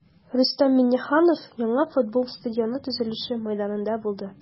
Рөстәм Миңнеханов яңа футбол стадионы төзелеше мәйданында булды.